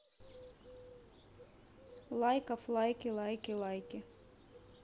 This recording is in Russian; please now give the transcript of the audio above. лайков лайки лайки лайки